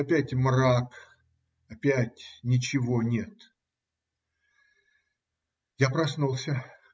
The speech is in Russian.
Опять мрак, опять ничего нет. Я проснулся.